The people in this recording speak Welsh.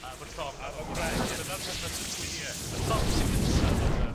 A fy llong a fy ngwraig. Dyna'r petha sy'n bwysig. Ie. Y llong sy gynta noder.